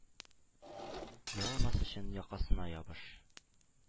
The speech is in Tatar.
Егылмас өчен, якасына ябыш...